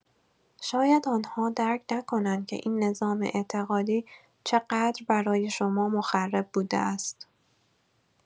شاید آن‌ها درک نکنند که این نظام اعتقادی چقدر برای شما مخرب بوده است.